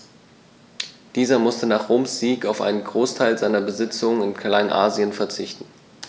Dieser musste nach Roms Sieg auf einen Großteil seiner Besitzungen in Kleinasien verzichten.